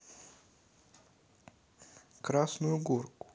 красную горку